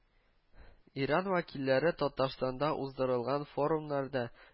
Иран вәкилләре Татарстанда уздырылган форумнарда